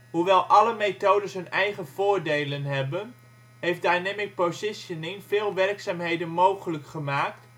Hoewel alle methodes hun eigen voordelen hebben, heeft dynamic positioning veel werkzaamheden mogelijk gemaakt